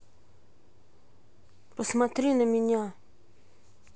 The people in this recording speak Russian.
посмотри на меня